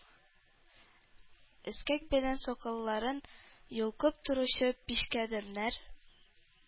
Эскәк белән сакалларын йолкып торучы пишкадәмнәр,